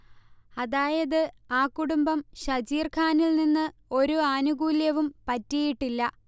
അതായത് ആ കുടുംബം ഷജീർഖാനിൽ നിന്ന് ഒരു ആനുകൂല്യവും പറ്റിയിട്ടില്ല